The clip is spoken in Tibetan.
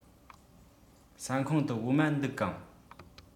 ཟ ཁང དུ འོ མ འདུག གམ